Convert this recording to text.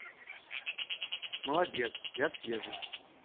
молодец я съезжу